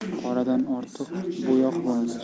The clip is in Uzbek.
qoradan ortiq bo'yoq bo'lmas